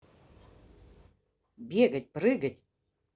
бегать прыгать